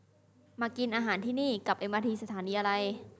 มากินอาหารที่นี่กลับเอมอาทีสถานีอะไร